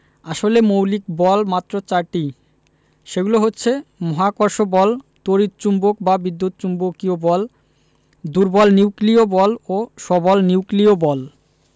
আসলে মৌলিক বল মাত্র চারটি সেগুলো হচ্ছে মহাকর্ষ বল তড়িৎ চৌম্বক বা বিদ্যুৎ চৌম্বকীয় বল দুর্বল নিউক্লিয় বল ও সবল নিউক্লিয় বল